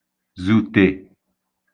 zùtè